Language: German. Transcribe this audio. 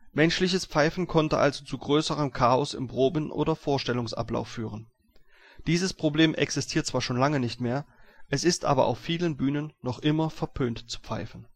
Menschliches Pfeifen konnte also zu größerem Chaos im Proben - oder Vorstellungsablauf führen. Dieses Problem existiert zwar schon lange nicht mehr, es ist aber auf vielen Bühnen noch immer verpönt zu pfeifen